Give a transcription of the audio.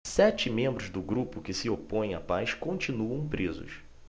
sete membros do grupo que se opõe à paz continuam presos